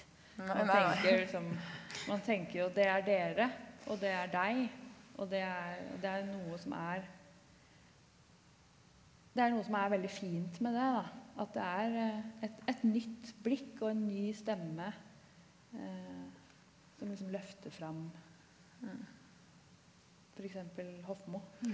man tenker liksom man tenker jo det er dere og det er deg og det er og det er jo noe som er det er noe som er veldig fint med det da at det er et et nytt blikk og en ny stemme som liksom løfter fram f.eks. Hofmo.